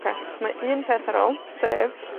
Oce, mae un peth ar ôl, sef,